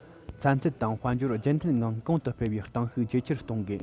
ཚན རྩལ དང དཔལ འབྱོར རྒྱུན མཐུད ངང གོང དུ སྤེལ བའི གཏིང ཤུགས ཇེ ཆེར གཏོང དགོས